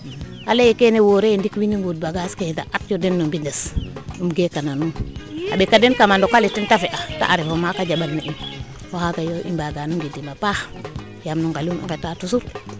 a leye keene woore ye ndiik wiin we nguund bagage ke ye atyo den no mbines im geeka na nuun a ɓeka den kama ndokale te fe'a ta refo maaka a jambaɗ na in o xaaga yo i mbagano ngidim a paax yaam no ngelum i ngeta toujours